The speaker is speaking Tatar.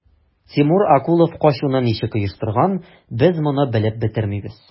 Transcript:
Тимур Акулов качуны ничек оештырган, без моны белеп бетермибез.